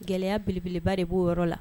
Gɛlɛya belebeleba de b'o yɔrɔ la